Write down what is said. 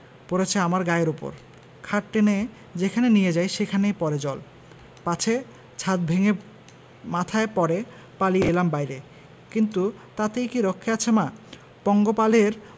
পড়েচে আমার গায়ের উপর খাট টেনে যেখানে নিয়ে যাই সেখানেই পড়ে জল পাছে ছাত ভেঙ্গে মাথায় পড়ে পালিয়ে এলাম বাইরে কিন্তু তাতেই কি রক্ষে আছে মা পঙ্গপালের